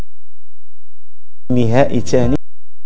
نهائي